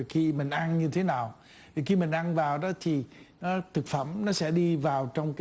khi mình ăn như thế nào khi mình ăn vào đã chỉ ra thực phẩm nó sẽ đi vào trong